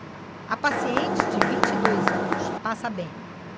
a paciente de vinte e dois anos passa bem